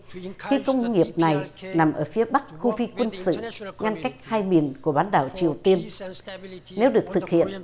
khi khu công nghiệp này nằm ở phía bắc khu phi quân sự ngăn cách hai miền của bán đảo triều tiên nếu được thực hiện